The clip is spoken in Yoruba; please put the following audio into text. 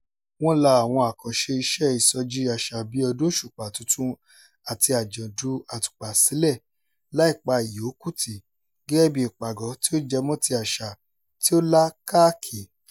Wọ́n la àwọn àkànṣe iṣẹ́ ìsọjí àṣà bíi Ọdún Òṣùpá Tuntun àti Àjọ̀dún Àtùpà sílẹ̀, láì pa ìyìókù tì, gẹ́gẹ́ bí ìpàgọ́ tí ó jẹ mọ́ ti àṣà tí ó lákaakì.